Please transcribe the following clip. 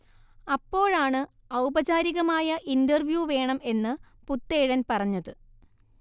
അപ്പോഴാണ് ഔപചാരികമായ ഇന്റർവ്യൂ വേണം എന്ന് പുത്തേഴൻ പറഞ്ഞത്